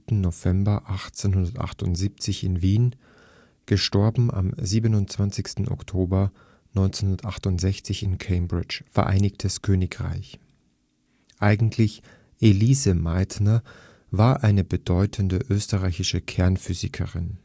November 1878 in Wien; † 27. Oktober 1968 in Cambridge, Vereinigtes Königreich), eigentlich Elise Meitner, war eine bedeutende österreichische Kernphysikerin